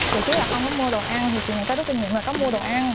ngày trước là không có mua đồ ăn thì kỳ này có rút kinh nghiệm là có mua đồ ăn